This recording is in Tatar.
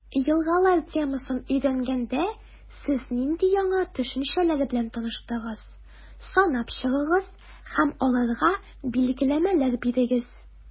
«елгалар» темасын өйрәнгәндә, сез нинди яңа төшенчәләр белән таныштыгыз, санап чыгыгыз һәм аларга билгеләмәләр бирегез.